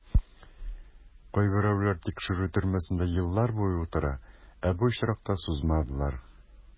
Кайберәүләр тикшерү төрмәсендә еллар буе утыра, ә бу очракта сузмадылар.